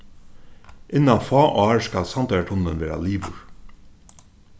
innan fá ár skal sandoyartunnilin vera liðugur